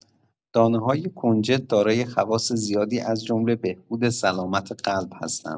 دانه‌های کنجد دارای خواص زیادی از جمله بهبود سلامت قلب هستند.